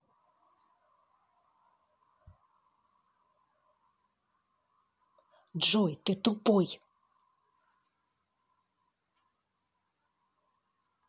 джой ты тупой